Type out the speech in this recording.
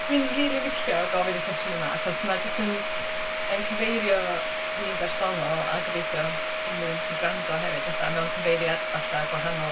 Dwi'n rili licio gofyn y cwestiwn yma, achos ma' jyst yn yn cyfeirio fi'n bersonol a gobeithio unrhyw un sy'n gwrando hefyd fatha mewn cyfeiriad falle gwahanol.